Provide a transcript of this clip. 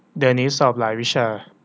เดือนนี้สอบหลายวิชา